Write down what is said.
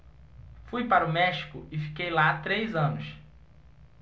fui para o méxico e fiquei lá três anos